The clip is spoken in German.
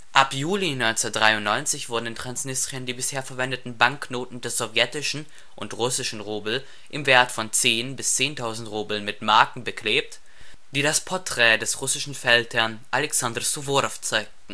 Ab Juli 1993 wurden in Transnistrien die bisher verwendeten Banknoten des Sowjetischen und Russischen Rubel im Wert von 10 bis 10.000 Rubeln mit Marken beklebt, die das Porträt des russischen Feldherrn Alexander Suworow zeigten